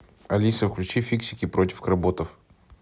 алиса включи фиксики против кработов